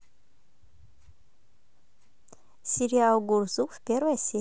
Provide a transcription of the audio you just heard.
сериал гурзуф первая серия